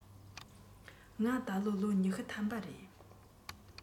ང ད ལོ ལོ ཉི ཤུ ཐམ པ རེད